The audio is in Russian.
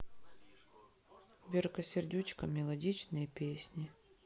верка сердючка мелодичные песни